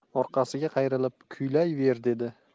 orqasiga qayrilib kuylay ber dedi